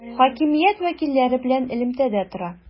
Хакимият вәкилләре белән элемтәдә тора.